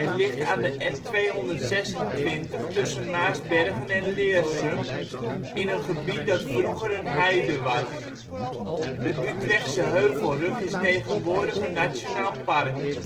ligt aan de N226, tussen Maarsbergen en Leersum, in een gebied dat vroeger een heide was. De Utrechtse Heuvelrug is tegenwoordig een nationaal park